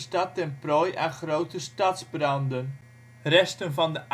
Sjabloon:Noordrijn-Westfalen